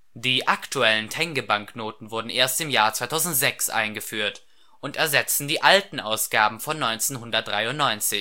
Die aktuellen Tengebanknoten wurden erst im Jahr 2006 eingeführt und ersetzten die alten Ausgaben von 1993. Es